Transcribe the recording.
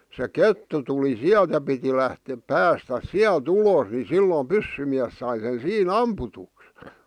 se kettu tuli sieltä ja piti - päästä sieltä ulos niin silloin pyssymies sai sen siinä ammutuksi